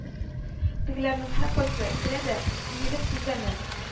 Тегеләрнең һәркайсы керә дә иелеп тезләнә